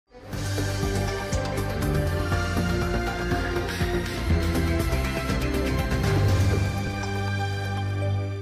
Wa